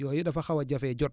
yooyu dafa xaw a jafee jot